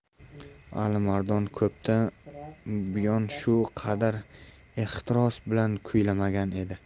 alimardon ko'pdan buyon shu qadar ehtiros bilan kuylamagan edi